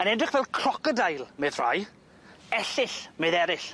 Yn edrych fel crocodeil medd rhai ellyll medd eryll.